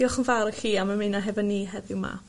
Diolch yn fawr i chi am ymuno hefo ni heddiw 'ma.